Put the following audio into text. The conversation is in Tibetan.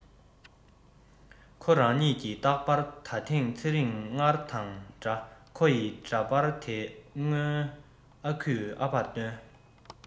ཁོ རང ཉིད ཀྱི རྟག པར ད ཐེངས ཚེ རིང སྔར དང འདྲ ཁོ ཡི འདྲ པར དེ སྔོན ཨ ཁུས ཨ ཕར སྟོན